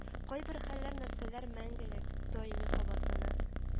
Кайбер хәлләр-нәрсәләр мәңгелек, даими кабатлана